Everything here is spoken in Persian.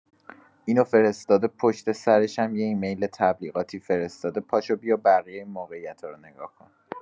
اینو فرستاده پشت سرشم یه ایمیل تبلیغاتی فرستاده پاشو بیا بقیه موقعیتا رو نگاه کن!